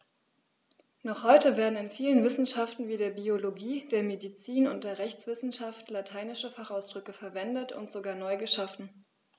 Noch heute werden in vielen Wissenschaften wie der Biologie, der Medizin und der Rechtswissenschaft lateinische Fachausdrücke verwendet und sogar neu geschaffen.